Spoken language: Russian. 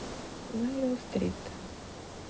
мерил стрит